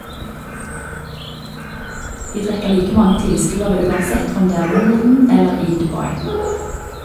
Vi trekker like mange tilskuere uansett om det er Wimbledon eller i Dubai.